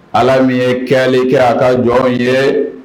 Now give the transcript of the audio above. Ala min ye kɛɛli kɛ a ka jɔn ye